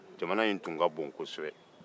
jamana in tun ka bon kɔsɛbɛ